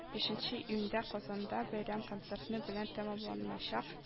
Бишенче июньдә казанда бәйрәм концертны белән тәмамланачак